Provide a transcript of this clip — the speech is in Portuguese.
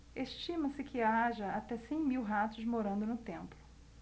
estima-se que haja até cem mil ratos morando no templo